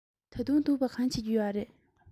ད དུང སྡུག པ གང བྱེད ཀྱི ཡོད རས